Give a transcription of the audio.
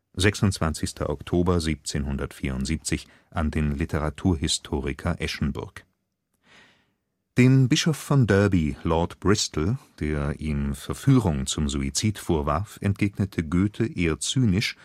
26. 10. 1774 an den Literaturhistoriker J. J. Eschenburg) “Dem Bischof von Derby, Lord Bristol, der ihm Verführung zum Suizid vorwarf, entgegnete Goethe eher zynisch